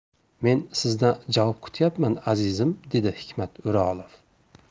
men sizdan javob kutyapman azizim dedi hikmat o'rolov